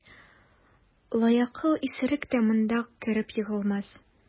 Лаякыл исерек тә монда кереп егылмас.